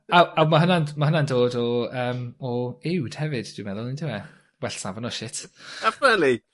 A a ma' hwnna'n ma' hwnna'n dod o yym o uwd hefyd dwi meddwl on'd yw e? Well safon o shit. Definatley.